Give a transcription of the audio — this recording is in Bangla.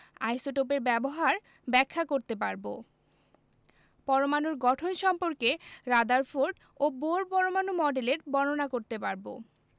আইসোটোপের ব্যবহার ব্যাখ্যা করতে পারব পরমাণুর গঠন সম্পর্কে রাদারফোর্ড ও বোর পরমাণু মডেলের বর্ণনা করতে পারব